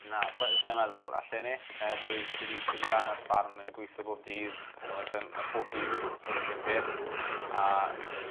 Na sai sai'n meddwl allen i. Yy dwy dwi 'di tyfu lan ar ffarm yn gwitho bob dydd bob dydd ch'mo' sa'm... Ma' pob dydd sor' of 'r un peth a